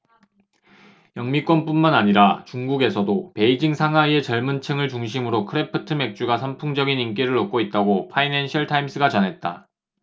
영미권뿐만 아니라 중국에서도 베이징 상하이의 젊은층을 중심으로 크래프트 맥주가 선풍적인 인기를 얻고 있다고 파이낸셜타임스가 전했다